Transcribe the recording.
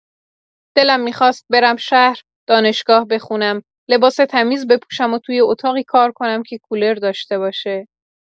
دلم می‌خواست برم شهر، دانشگاه بخونم، لباس تمیز بپوشم و توی اتاقی کار کنم که کولر داشته باشه.